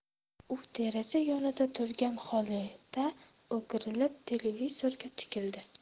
u deraza yonida turgan holda o'girilib televizorga tikildi